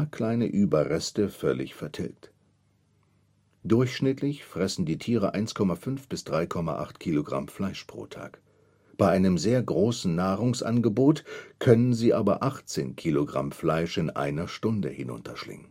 kleine Überreste völlig vertilgt. Durchschnittlich fressen die Tiere 1,5 bis 3,8 Kilogramm Fleisch pro Tag; bei einem sehr großen Nahrungsangebot können sie aber 18 Kilogramm Fleisch in einer Stunde hinunterschlingen